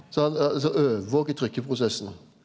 så han altså overvaker trykkeprosessen.